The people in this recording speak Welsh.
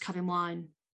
cario mlaen